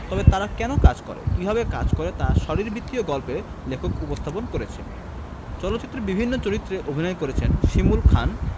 তবে তারা কেন কাজ করে কিভাবে কাজ করে তা শরীরবৃত্তীয় গল্পে লেখক উপস্থাপন করেছেন চলচ্চিত্রের বিভিন্ন চরিত্রে অভিনয় করেছেন শিমুল খান